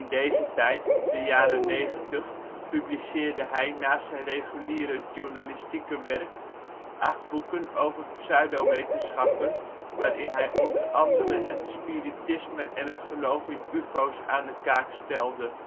deze tijd, de jaren negentig, publiceerde hij, naast zijn reguliere journalistieke werk, acht boeken over pseudowetenschappen, waarin hij onder andere het spiritisme en het geloof in UFO 's aan de kaak stelde